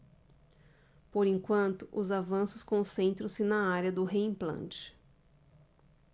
por enquanto os avanços concentram-se na área do reimplante